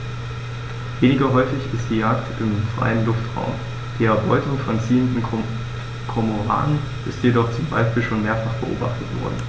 Weniger häufig ist die Jagd im freien Luftraum; die Erbeutung von ziehenden Kormoranen ist jedoch zum Beispiel schon mehrfach beobachtet worden.